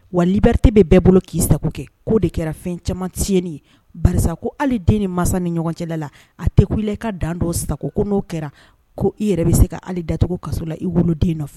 Walibte bɛ bɛɛ bolo k'i sago kɛ koo de kɛra fɛn caman tiɲɛni ba ko ale den ni mansa ni ɲɔgɔn cɛla la a tɛ i ka dan dɔ sago ko n'o kɛra ko i yɛrɛ bɛ se kaale dat kaso la i woloden nɔfɛ